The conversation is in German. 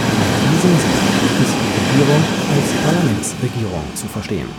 In diesem Sinne ist die Regierung als Parlamentsregierung zu verstehen